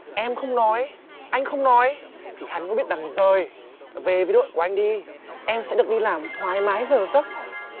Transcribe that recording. em không nói anh không nói thì hắn có biết đằng giời về với đội của anh đi em sẽ được đi làm thoải mái giờ giấc